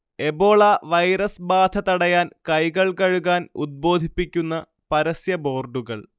Ebola virus ബാധ തടയാൻ കൈകൾ കഴുകാൻ ഉദ്ബോധിപ്പിക്കുന്ന പരസ്യ ബോർഡുകൾ